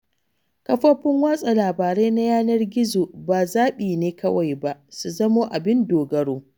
Kafofin watsa labarai na yanar gizo ba zaɓi ne kawai ba: su zama abin dogaro